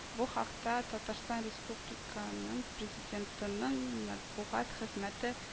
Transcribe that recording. Бу хакта Татарстан Республика ның Президенты ның матбугат хезмәте